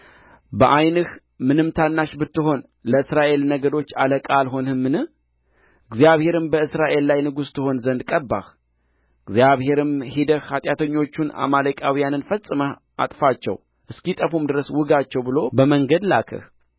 በዓይንህ ምንም ታናሽ ብትሆን ለእስራኤል ነገዶች አለቃ አልሆንህምን እግዚአብሔርም በእስራኤል ላይ ንጉሥ ትሆን ዘንድ ቀባህ እግዚአብሔርም ሄደህ ኃጢአተኞቹን አማሌቃውያንን ፈጽመህ አጥፋቸው እስኪጠፉም ድረስ ውጋቸው ብሎ በመንገድ ላከህ